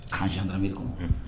K ka jandabe kɔnɔ